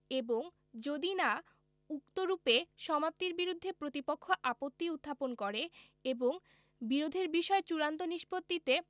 এবং যদি না উক্তরূপে সমাপ্তির বিরুদ্ধে প্রতিপক্ষ আপত্তি উত্থাপন করে এবং বিরোধের বিষয় চূড়ান্ত নিষ্পত্তিতে